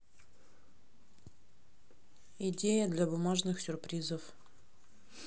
идеи для бумажных сюрпризов